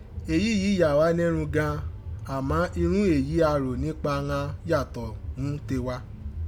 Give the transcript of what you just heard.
Èyíyi yà wá nẹ́run gan an, àmá irun èyí a rò nípa ghan yàtọ̀ ghún tewa.